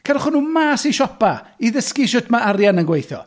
Cerwch â nhw mas i siopa. I ddysgu sut mae arian yn gweithio.